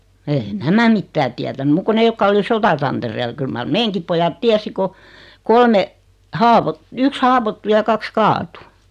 ei nämä mitään tiennyt muuta kuin ne jotka oli sotatantereella kyllä mar meidänkin pojat tiesi kun kolme - yksi haavoittui ja kaksi kaatui